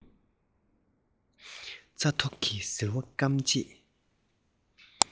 རྩྭ ཐོག གི ཟིལ བ བསྐམས རྗེས